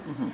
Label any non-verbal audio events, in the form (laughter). (hesitation) (hesitation)